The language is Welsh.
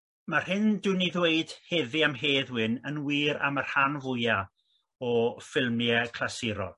ma'r hyn dw'n i ddweid heddi' am Hedd Wyn yn wir am y rhan fwya' o ffilmie clasurol.